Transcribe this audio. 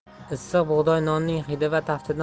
issiq bug'doy nonning hidi va taftidan